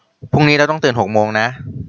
พรุ่งนี้เราต้องตื่นหกโมงนะ